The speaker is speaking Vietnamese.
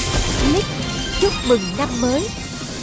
ních chúc mừng năm mới